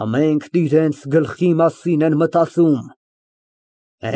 Ամենքն իրենց գլխի մասին են մտածում։